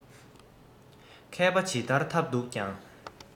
མཁས པ ཇི ལྟར ཐབས རྡུགས ཀྱང